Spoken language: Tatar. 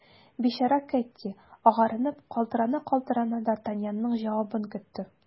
Бичара Кэтти, агарынып, калтырана-калтырана, д’Артаньянның җавабын көтте.